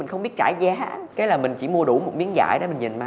không biết trả giá cái là mình chỉ mua đủ một miếng vải để mình về may